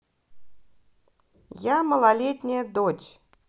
я малолетняя дочь